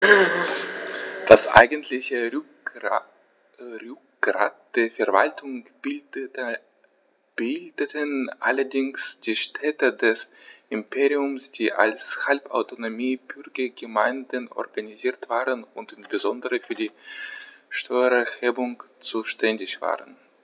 Das eigentliche Rückgrat der Verwaltung bildeten allerdings die Städte des Imperiums, die als halbautonome Bürgergemeinden organisiert waren und insbesondere für die Steuererhebung zuständig waren.